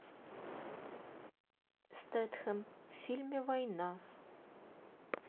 стэтхэм в фильме война